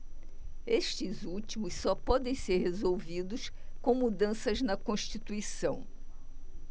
estes últimos só podem ser resolvidos com mudanças na constituição